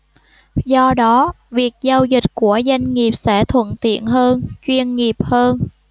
do đó việc giao dịch của doanh nghiệp sẽ thuận tiện hơn chuyên nghiệp hơn